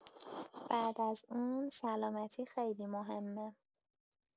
بعد از اون، سلامتی خیلی مهمه.